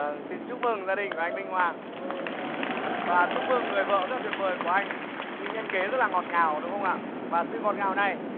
vâng xin chúc mừng gia đình của anh minh hoàng và chúc mừng người vợ tuyệt vời của anh mỹ nhân kế rất là ngọt ngào đúng không ạ và sự ngọt ngào này